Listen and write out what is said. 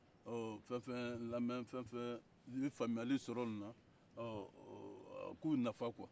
fɛn o fɛn ye n lamɛn fɛn o fɛn ye faamuyali sɔrɔ in na a k'u nafa kuwa